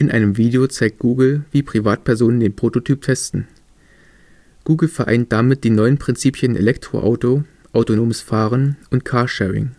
einem Video zeigt Google wie Privatperson den Prototyp testen. Google vereint damit die neuen Prinzipien Elektroauto, autonomes Fahren und Car-Sharing